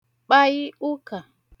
kpai ụkà